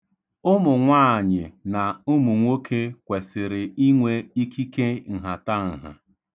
Ụmụnwaanyị na ụmụnwoke kwesịrị inwe ikike nhatanha.